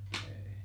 no ei